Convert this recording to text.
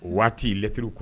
O waati triuruku